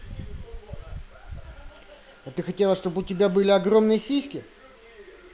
а ты хотела чтобы у тебя были огромные сиськи